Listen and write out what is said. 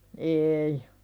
ei